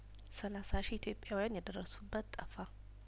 ሰላሳ ሺህ ኢትዮጵያውያን የደረሱበት ጠፋ